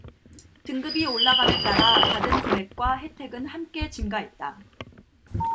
등급이 올라감에 따라 받은 금액과 혜택은 함께 증가했다